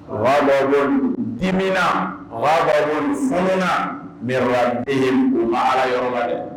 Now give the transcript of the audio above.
Dimina wara fm na miy den u baara yɔrɔ